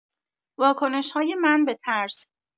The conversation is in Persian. واکنش‌های من به ترس